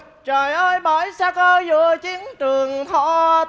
trời ơi bởi sa cơ giữa chiến trường thọ